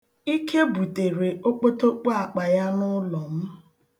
Ike butere okpotokpo akpa ya n'ụlọ m.